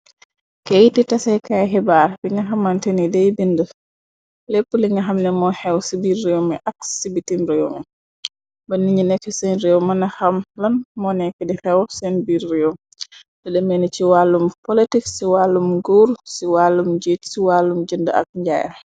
Keyti tasekaay xibaar bi , nga xamante ni dey bind lépp linga xamne moo xew ci biir réew mi ak ci bitim réew, mi ba niñu nekk seen réew mëna xamlan moneki di xew seen biir réew, te demee ni ci wàllum polotik, ci wàllum guur ,ci wàllum jiit ,ci wàllum jënd ak njaar.